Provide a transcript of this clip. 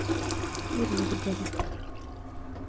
трудный ребенок